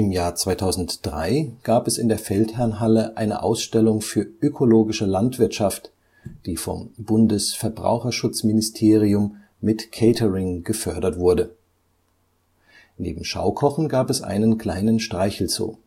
Jahr 2003 gab es in der Feldherrnhalle eine Ausstellung für ökologische Landwirtschaft, die vom Bundesverbraucherschutzministerum mit Catering gefördert wurde. Neben Schaukochen gab es einen kleinen Streichelzoo